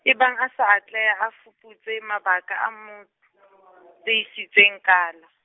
ebang a sa atleha a fuputse mabaka a mo , teisitseng kala.